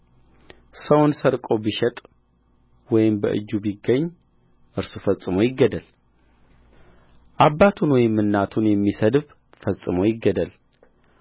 ሰውን ሰርቆ ቢሸጥ ወይም በእጁ ቢገኝ እርሱ ፈጽሞ ይገደል አባቱን ወይም እናቱን የሚሰድብ ፈጽሞ ይገደል